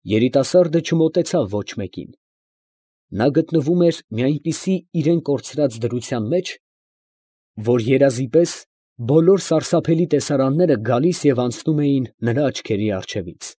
Երիտասարդը չմոտեցավ ոչ մեկին. նա գտնվում էր մի այնպիսի իրան կորցրած դրության մեջ, որ երազի պես բոլոր սարսափելի տեսարանները գալիս ու անցնում էին նրա աչքերի առջևից։